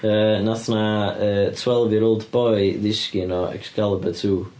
Yy wnaeth 'na yy twelve-year-old boi ddisgyn o Excalibur Two.